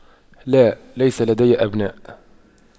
لا ليس لدي أبناء